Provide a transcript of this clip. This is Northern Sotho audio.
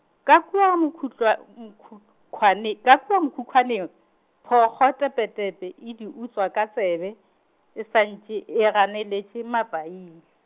ka kua mokhutlwa- m- mokhukhwane- ka kua mokhukhwaneng, phokgo tepetepe e di utswa ka tsebe, e sa ntše e ganeletše mapaing.